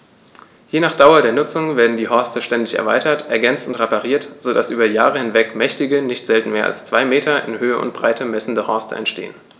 Je nach Dauer der Nutzung werden die Horste ständig erweitert, ergänzt und repariert, so dass über Jahre hinweg mächtige, nicht selten mehr als zwei Meter in Höhe und Breite messende Horste entstehen.